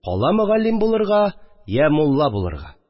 Кала мөгаллим булырга йә мулла булырга